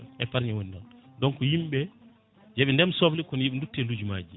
épargne woni ɗn donc yimɓeɓe yooɓe ndem soble kono yooɓe dutto e lijumaji ɗi